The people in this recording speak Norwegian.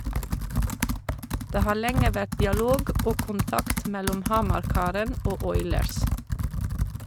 Det har lenge vært dialog og kontakt mellom Hamar-karen og Oilers.